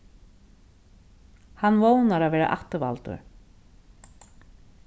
hann vónar at verða afturvaldur